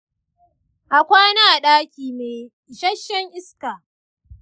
a kwana a daki mai isasshen iska.